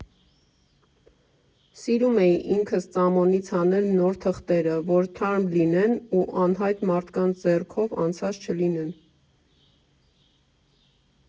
Սիրում էի ինքս ծամոնից հանել նոր թղթերը, որ թարմ լինեն ու անհայտ մարդկանց ձեռքով անցած չլինեն։